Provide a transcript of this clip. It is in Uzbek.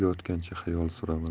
yotgancha xayol suraman